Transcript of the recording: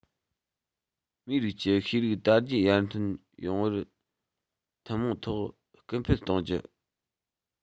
མིའི རིགས ཀྱི ཤེས རིག དར རྒྱས ཡར ཐོན ཡོང བར ཐུན མོང ཐོག སྐུལ སྤེལ གཏོང རྒྱུ